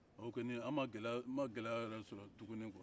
o kɔnin an ma gɛlɛya yɛrɛ sɔrɔ tugunni kuwa